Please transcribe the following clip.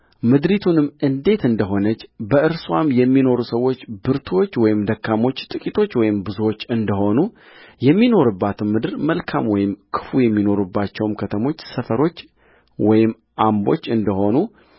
ምድሪቱንም እንዴት እንደ ሆነች በእርስዋም የሚኖሩ ሰዎች ብርቱዎች ወይም ደካሞችጥቂቶች ወይም ብዙዎች እንደ ሆኑ የሚኖሩባትም ምድር መልካም ወይም ክፉ የሚኖሩባቸውም ከተሞች ሰፈሮች ወይም አምቦች እንደ ሆኑ